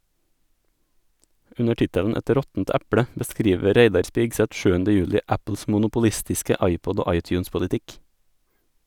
Under tittelen "Et råttent eple" beskriver Reidar Spigseth 7. juli Apples monopolistiske iPod- og iTunes-politikk.